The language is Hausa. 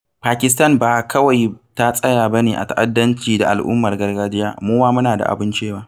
Pakistan ba kawai ta tsaya ba ne a ta'addanci da al'ummar gargajiya, mu ma muna da abin cewa.